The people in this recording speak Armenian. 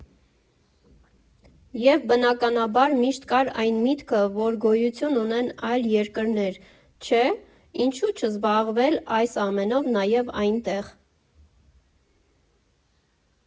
Եվ, բնականաբար, միշտ կար այն միտքը, որ գոյություն ունեն այլ երկրներ, չէ, ինչու՞ չզբաղվել այս ամենով նաև այնտեղ։